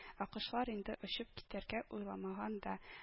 Ә кошлар инде очып китәргә уйламаган да